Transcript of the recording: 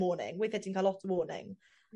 warning weithie ti'n ca'l lot o warning